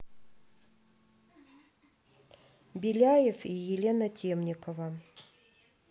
беляев и елена темникова